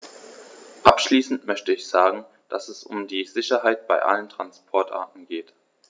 Abschließend möchte ich sagen, dass es um die Sicherheit bei allen Transportarten geht.